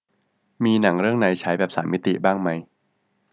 มีหนังเรื่องไหนฉายแบบสามมิติบ้างมั้ย